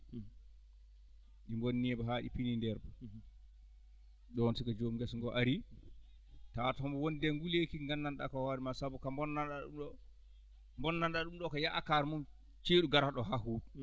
bonnii mba haa ɗi pinii ndeer ɗon siko joom ngesa ngoo arii tawata homo wondi e nguleyki ndi nganndanɗaa ko hoore ma sabu ko bonnanɗaa ɗum ɗoo ko bonnanɗaa ɗum ɗoo ko yaakar mum ceeɗu garoɗo haa huuɓi